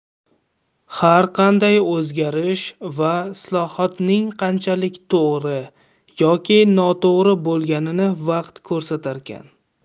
har qanday o'zgarish va islohotning qanchalik to'g'ri yoki noto'g'ri bo'lganini vaqt ko'rsatarkan